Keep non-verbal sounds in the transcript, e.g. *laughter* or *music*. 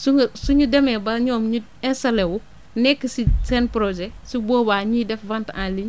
su nga suñu demee ba ñoom ñu installé wu nekk si *noise* seen projet su boobaa éniy def vente en ligne